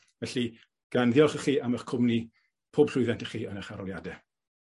Felly, gan ddiolch i chi am 'ych cwmni, pob llwyddiant i chi yn 'ych aroliade.